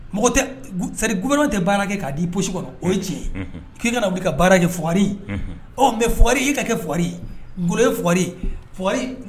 Mɔgɔ tɛ. c'est à dire gouvernement tɛ baara kɛ ka di poche kɔnɔ o ye tiɲɛ. Ki ka na wuli ka baara kɛ fugari . Ɔn Mais fugari e ka kɛ fugari ye, Ngolo ye fugari, fugari